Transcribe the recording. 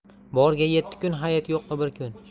borga yetti kun hayit yo'qqa bir kun